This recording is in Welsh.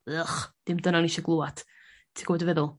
ych dim dyna o'n i isia glŵad ti gw'o' dwi feddwl?